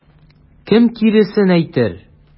Кем киресен әйтер?